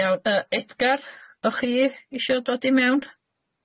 Iawn yy Edgar? O'ch chi isio dod i mewn?